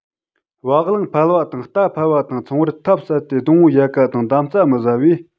བ གླང ཕལ བ དང རྟ ཕལ བ དང མཚུངས པར ཐབས ཟད དེ སྡོང བོའི ཡལ ག དང འདམ རྩྭ མི ཟ བས